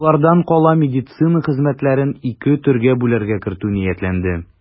Болардан кала медицина хезмәтләрен ике төргә бүләргә кертү ниятләнде.